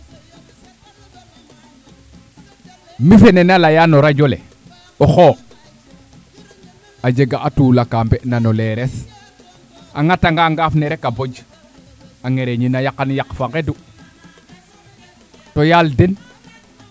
mi fene na leya no radio le o xo a jega a tuula ka mbena no leeres a ŋata nga ngaaf ne rek a boj a ngereñin a yaqan yaq fo ngedu to yaal den